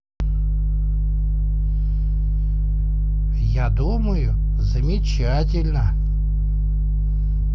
я думаю замечательно